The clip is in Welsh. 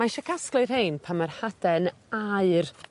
Ma' isia casglu rhein pan ma'r hade'n aur